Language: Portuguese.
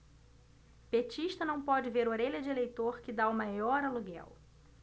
petista não pode ver orelha de eleitor que tá o maior aluguel